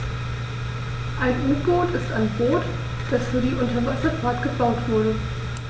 Ein U-Boot ist ein Boot, das für die Unterwasserfahrt gebaut wurde.